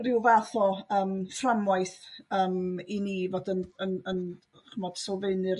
ryw fath o yym fframwaith yym i ni fod y yn yn chi'm bo' sylfaenu'r